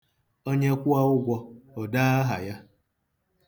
Onye kwụọ ụgwọ, o dee aha ya.